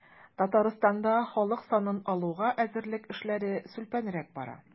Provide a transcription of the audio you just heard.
Татарстанда халык санын алуга әзерлек эшләре сүлпәнрәк бара.